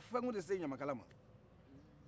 fɛn tun te se ɲamakala ma